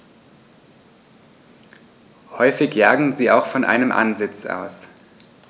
Häufig jagen sie auch von einem Ansitz aus.